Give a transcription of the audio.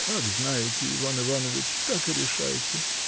— Как знаете, Иван Иванович, так и решайте.